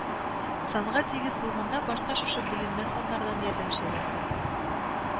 Санга тигез булганда, башта шушы бүленмә саннардан ярдәмче рәткә